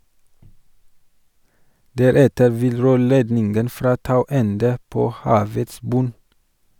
Deretter vil rørledningen fra Tau ende på havets bunn.